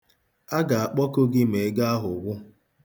A ga-akpọku gị ma ego ahụ gwụ.